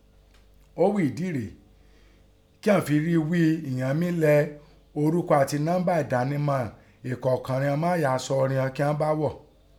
Ọ́ ghí ìdí rèé kí ghọ́n fi ríi ghí i ghọ́n lẹ orúkọ àti nọ́ḿbà ẹ̀dánimọ̀ ìkọ̀ọ̀kàn righọn mọ́ àyà asọ kí ghọ́n bá ghọ̀.